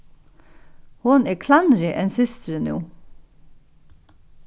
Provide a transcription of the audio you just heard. hon er klænri enn systirin nú